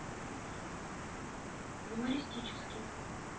юмористический